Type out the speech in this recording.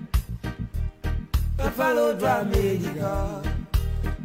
Ba fatan mi yo